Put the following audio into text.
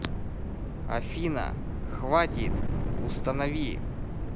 афина хватит установи